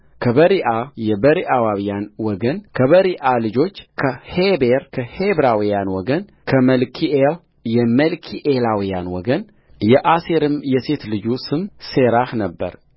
ከበሪዓ ልጆች ከሔቤር የሔቤራውያን ወገን ከመልኪኤል የመልኪኤላውያን ወገንየአሴርም የሴት ልጁ ስም ሤራሕ ነበረ